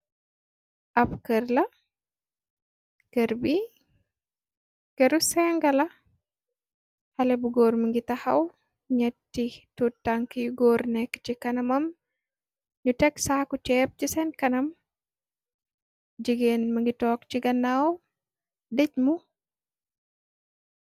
Ab kërr la kërr bi këru senga la xale bu góor mi ngi taxaw ñyetti tuudtank yu góor nekk ci kanamam ñu teg saaku ceeb ci seen kanam jigéen mi ngi toog ci gannaaw dëj lu.